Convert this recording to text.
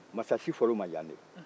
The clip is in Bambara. mansasi fɔra u ma yan de